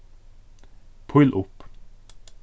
píl upp